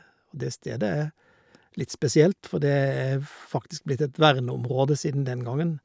Og det stedet er litt spesielt, for det er faktisk blitt et verneområde siden den gangen.